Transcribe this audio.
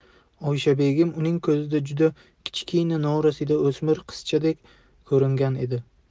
oyisha begim uning ko'ziga juda kichkina norasida o'smir qizchadek ko'ringan edi